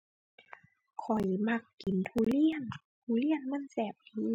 ข้อยมักกินทุเรียน ทุเรียนมันแซ่บดี